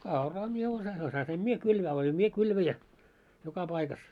no kauraa minä - osasin minä kylvää olin minä kylväjä joka paikassa